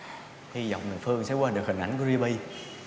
hy vọng thằng phương sẽ quên được hình ảnh của ri bi